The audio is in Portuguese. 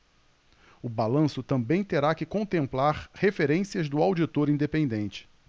o balanço também terá que contemplar referências do auditor independente